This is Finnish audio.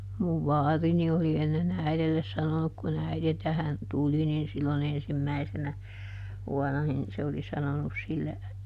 minun vaarini oli ennen äidille sanonut kun äiti tähän tuli niin silloin ensimmäisenä vuonna niin se oli sanonut sille